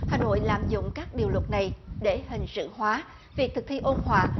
hà nội lạm dụng các điều luật này để hình sự hóa việc thực thi ôn hòa